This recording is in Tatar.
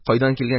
Кайдан килгән